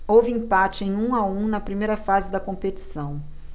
houve empate em um a um na primeira fase da competição